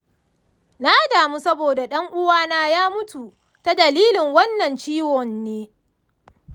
na damu saboda dan'uwa na ya mutu ta dalilin wannan ciwon ne.